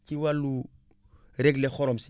ci wàllu réglé xorom si